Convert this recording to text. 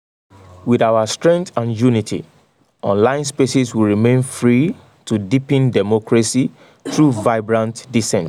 With our strength and unity, online spaces will remain free to deepen democracy through vibrant dissent.